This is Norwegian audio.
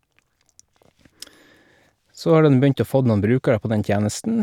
Så har den begynt å fått noen brukere på den tjenesten.